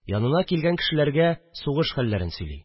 Янына килгән кешеләргә сугыш хәлләрен сөйли